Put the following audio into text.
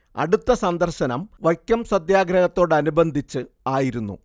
അടുത്ത സന്ദർശനം വൈക്കം സത്യാഗ്രഹത്തോടനുബന്ധിച്ച് ആയിരുന്നു